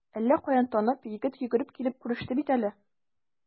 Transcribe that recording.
Әллә каян танып, егет йөгереп килеп күреште бит әле.